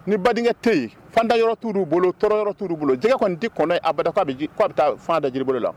Ni badenkɛ tɛ yen fantan yɔrɔ t'u bolo tɔɔrɔ yɔrɔ t' bolo jɛgɛ kɔni di kɔnɔ a bɛ taa fan da jiri bolo la